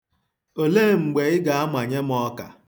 Olee mgbe ị ga-amanye m ọka?